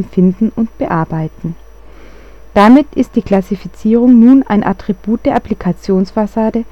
finden und bearbeiten. Damit ist die Klassifizierung nun ein Attribut der Applikations-Fassade